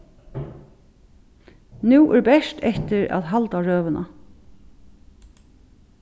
nú er bert eftir at halda røðuna